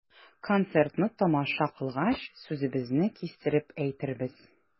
Концертны тамаша кылгач, сүзебезне кистереп әйтербез.